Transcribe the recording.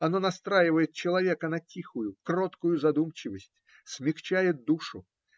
Оно настраивает человека на тихую, кроткую задумчивость, смягчает душу.